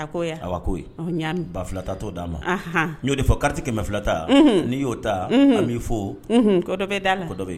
Ko a ko ba filatatɔ d dia ma ɲɔo kariti kɛmɛ fila ta n'i y'o ta n b'i fɔ kɔ dɔ bɛ da kɔdɔ ye